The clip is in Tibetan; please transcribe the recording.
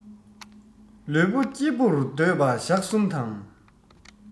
ལུས པོ སྐྱིད པོར སྡོད པ ཞག གསུམ དང